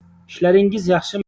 ishlaringiz yaxshimi